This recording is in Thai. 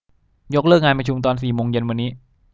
ยกเลิกงานประชุมตอนสี่โมงเย็นวันนี้